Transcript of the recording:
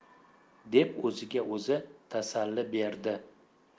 deb o'ziga o'zi tasalli berdi